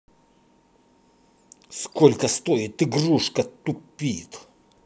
сколько стоит игрушка тупит